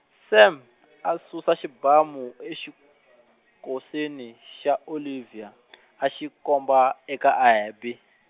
Sam , a susa xibamu exikosini xa Olivia , a xi komba eka Abby.